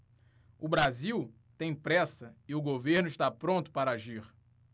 o brasil tem pressa e o governo está pronto para agir